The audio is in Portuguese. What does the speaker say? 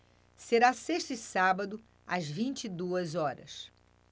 será sexta e sábado às vinte e duas horas